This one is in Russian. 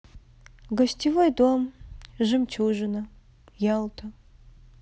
гостевой дом жемчужина ялта